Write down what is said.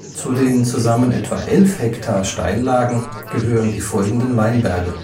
Zu den zusammen etwa 11 ha Steillagen gehören die folgenden Weinberge